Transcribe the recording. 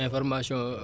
information